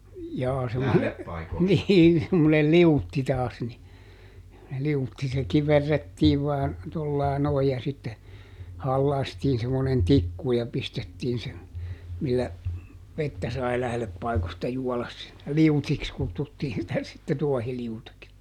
jaa semmoinen niin semmoinen liutti taas niin liutti se kiverrettiin vain tuolla lailla noin ja sitten halkaistiin semmoinen tikku ja pistettiin se millä vettä sai lähdepaikoista juoda sillä liutiksi kutsuttiin sitä sitten tuohiliutiksi